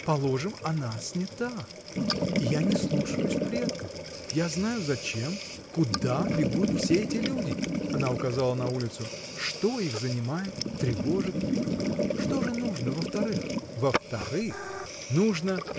Положим, она снята, и я не слушаюсь предков: я знаю, зачем, куда бегут все эти люди, — она указала на улицу, — что их занимает, тревожит: что же нужно во-вторых? — Во-вторых, нужно.